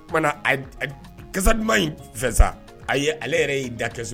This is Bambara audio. Oumanasa diuma in fɛ sa ale yɛrɛ y'i da kɛso